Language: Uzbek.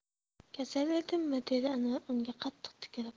kasal edimmi dedi anvar unga qattiq tikilib